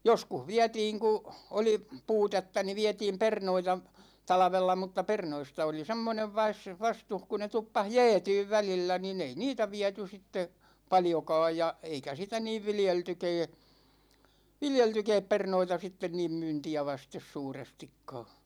joskus vietiin kun oli puutetta niin vietiin perunoita talvella mutta perunoista oli semmoinen - vastus kun ne tuppasi jäätymään välillä niin ei niitä viety sitten paljonkaan ja eikä sitä niin viljeltykään viljeltykään perunoita sitten niin myyntiä vasten suurestikaan